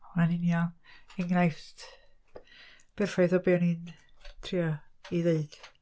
Ma' hwnna'n union enghraifft berffaith o be o'n i'n trio ei ddeud.